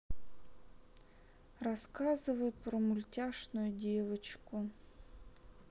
рассказывают про мультяшную девочку